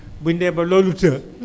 buén demee ba loolu të